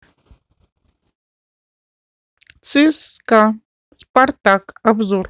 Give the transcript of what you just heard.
цска спартак обзор